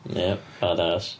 Iep. Badass.